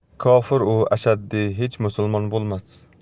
kofir u ashaddiy hech musulmon bo'lmas